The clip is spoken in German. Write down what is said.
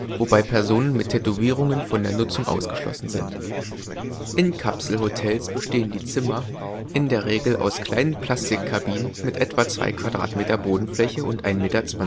wobei Personen mit Tätowierungen von der Nutzung ausgeschlossen sind. In Kapselhotels bestehen die „ Zimmer “in der Regel aus kleinen Plastikkabinen mit etwa 2 m² Bodenfläche und 1,20 m Höhe. In